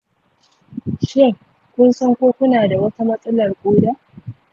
shin kun san ko kuna da wata matsalar koda?